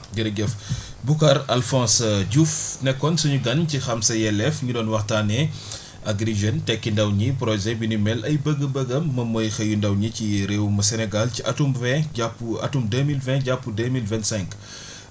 jërëjëf Boucar Alphonse Diouf nekkoon suñu gan ci xam sa yelleef ñu doon waxtaanee Agri Jeunes tekki ndaw ñi projet bi ni mel ay bëgg-bëggam moom mooy xëyu ndaw ñi ci réewum Sénégal ci atum vingt jàpp atum deux mille vingt jàpp deux mille vingt cinq